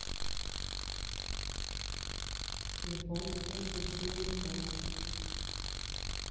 японские смешные шоу